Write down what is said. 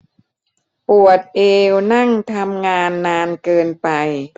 ปวดเอวนั่งทำงานนานเกินไป